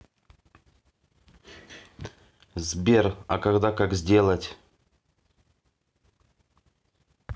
сбер а когда как сделать